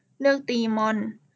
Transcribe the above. เลือกตีมอน